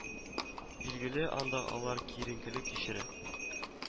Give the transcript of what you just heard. Билгеле анда алар киеренкелек кичерә